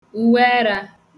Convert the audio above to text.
uweerā